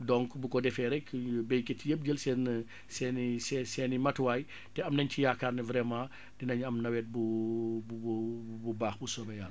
donc bu ko defee rekk suñu baykat yépp jël seen seen i see seen i matuwaay te am nañ ci yaakaar ne vraiment dinañ am nawet bu bu bu bu bax bu soobee Yàlla